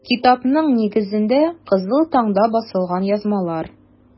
Китапның нигезендә - “Кызыл таң”да басылган язмалар.